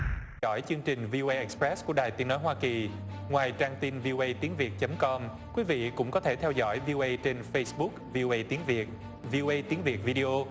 dõi chương trình vi ô ây ích bờ rét của đài tiếng nói hoa kỳ ngoài trang tin vi ô ây tiếng việt chấm com quý vị cũng có thể theo dõi vi ô ây trên phây búc vi ô ây tiếng việt vi ô ây tiếng việt vi đê ô